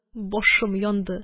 Башым янды